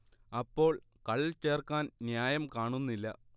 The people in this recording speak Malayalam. അപ്പോൾ കൾ ചേർക്കാൻ ന്യായം കാണുന്നില്ല